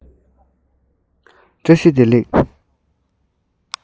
བཀྲ ཤེས བདེ ལེགས